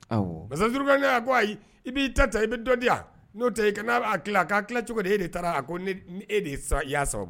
awɔ, massa Zul karanaani ko ayi i b'i ta ta i bɛ dɔ di yan n'o tɛ kan' a tila, k'a tila cogo di e de taara e de y'a sɔrɔ